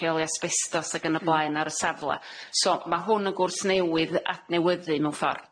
rheolia' asbestos ag yn y blaen ar y safle so ma' hwn yn gwrs newydd adnewyddu mewn ffor.